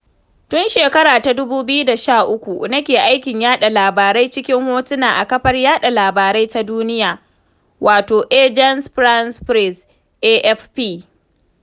Tun 2013 nake aikin yaɗa labarai cikin hotuna a kafar yaɗa labarai ta duniya, wato Agence France Presse (AFP).